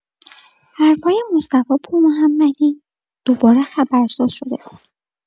حرفای مصطفی پورمحمدی دوباره خبرساز شده بود.